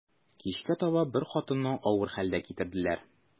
Кичкә таба бер хатынны авыр хәлдә китерделәр.